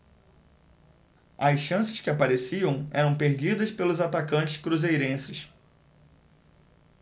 as chances que apareciam eram perdidas pelos atacantes cruzeirenses